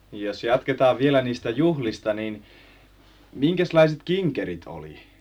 jos jatketaan vielä niistä juhlista niin minkäslaiset kinkerit oli